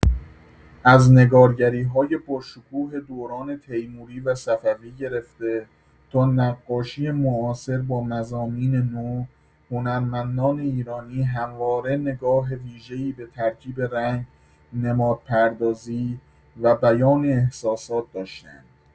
از نگارگری‌های باشکوه دوران تیموری و صفوی گرفته تا نقاشی معاصر با مضامین نو، هنرمندان ایرانی همواره نگاه ویژه‌ای به ترکیب رنگ، نمادپردازی و بیان احساسات داشته‌اند.